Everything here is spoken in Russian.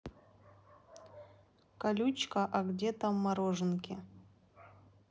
колючка а где там мороженки